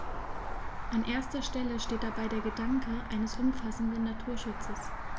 An erster Stelle steht dabei der Gedanke eines umfassenden Naturschutzes.